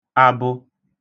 abụ